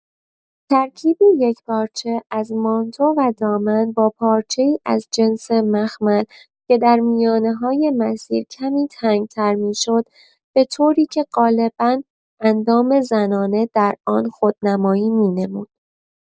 ترکیبی یکپارچه از مانتو و دامن با پارچه‌ای از جنس مخمل که در میانه‌های مسیر کمی تنگ‌تر می‌شد به طوری که قالبا اندام زنانه در آن خودنمایی می‌نمود.